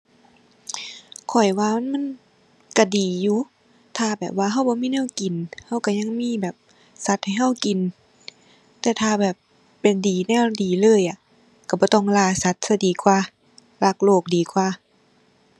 ข้อยว่ามันก็ดีอยู่ ถ้าแบบว่าก็บ่มีแนวกิน ก็ก็ยังมีแบบ สัตว์ให้ก็กิน แต่ถ้าแบบ เป็นดี แนวดีเลยอะ ก็บ่ต้องล่าสัตว์สิดีกว่า รักโลกดีกว่า